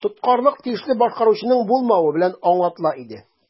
Тоткарлык тиешле башкаручының булмавы белән аңлатыла иде.